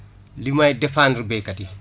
li may défendre béykat yi